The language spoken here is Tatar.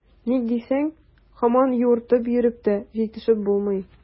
Ник дисәң, һаман юыртып йөреп тә җитешеп булмый.